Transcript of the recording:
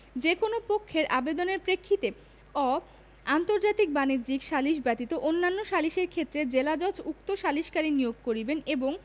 যে কোন পক্ষের আবেদনের প্রেক্ষিতে অ আন্তর্জাতিক বাণিজ্যিক সালিস ব্যতীত অন্যান্য সালিসের ক্ষেত্রে জেলাজজ উক্ত সালিসকারী নিয়োগ করিবেন এবং